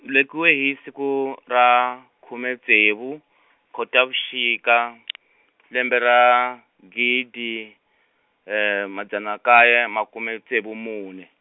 velekiwe hi siku ra, khume ntsevu , Khotavuxika , lembe ra, gidi, madzana nkaye makume ntsevu mune.